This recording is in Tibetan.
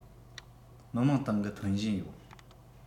མི དམངས ཏང གི ཐོན བཞིན ཡོད